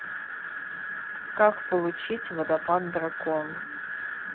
как получить водопад дракон